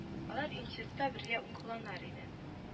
Алар институтта бергә укыганнар иде